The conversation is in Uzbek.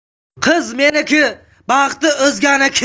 qiz meniki baxti o'zganiki